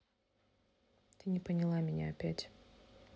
ты не поняла меня опять